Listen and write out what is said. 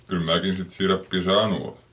kyllä minäkin sitten siirappia saanut olen